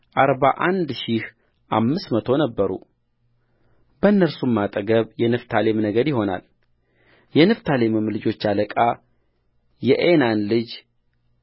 አርባ አንድ ሺህ አምስት መቶ ነበሩበእነርሱም አጠገብ የንፍታሌም ነገድ ይሆናል የንፍታሌምም ልጆች አለቃ የዔናን ልጅ